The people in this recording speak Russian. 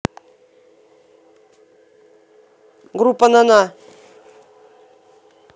группа на на